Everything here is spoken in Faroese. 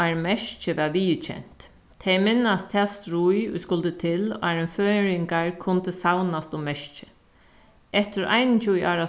áðrenn merkið varð viðurkent tey minnast tað stríð ið skuldi til áðrenn kundi savnast um merkið eftir einogtjúgu ára